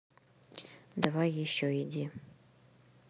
давай еще иди